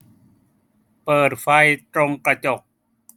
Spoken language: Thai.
เปิดไฟตรงกระจก